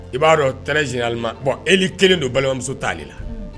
I b'a dɔn t ma bɔn e kelen don balimamuso t'ale de la